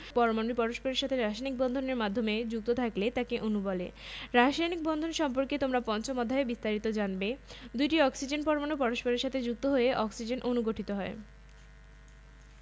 যৌগিক পদার্থ তোমরা জেনেছ যে মৌলিক পদার্থকে ভাঙলে শুধু ঐ পদার্থই পাওয়া যাবে পানিকে যদি ভাঙা হয় অর্থাৎ রাসায়নিকভাবে বিশ্লেষণ করা যায় তবে কিন্তু দুটি ভিন্ন মৌল হাইড্রোজেন ও অক্সিজেন পাওয়া যায়